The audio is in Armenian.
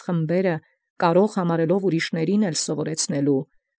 Գիտութեան, բաւականս և առ ի զայլսն զեկուցանելոյ։